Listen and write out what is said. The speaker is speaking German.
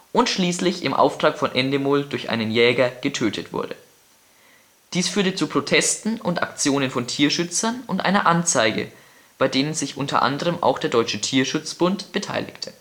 und schließlich im Auftrag von Endemol durch einen Jäger getötet wurde. Dies führte zu Protesten und Aktionen von Tierschützern und einer Anzeige, bei denen sich unter Anderem auch der Deutsche Tierschutzbund beteiligte